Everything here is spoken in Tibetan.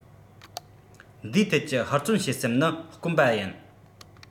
འདིའི ཐད ཀྱི ཧུར བརྩོན བྱེད སེམས ནི དཀོན པ ཡིན